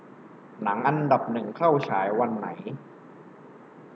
หนังอันดับหนึ่งเข้าฉายวันไหน